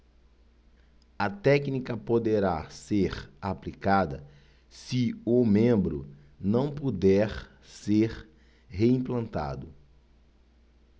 a técnica poderá ser aplicada se o membro não puder ser reimplantado